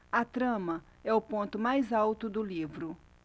a trama é o ponto mais alto do livro